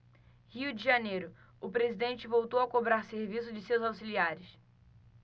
rio de janeiro o presidente voltou a cobrar serviço de seus auxiliares